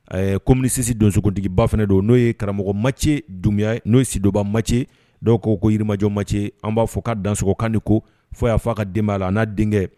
Ɛɛ ko minisi donsotigiba fana don n'o ye karamɔgɔ macɛ dunya n' ye si dɔba macɛ dɔw ko ko yirimajɔ ma cɛ an b'a fɔ k kaa danskan de ko fɔ y'a fɔ a ka denbaya' la an n'a denkɛ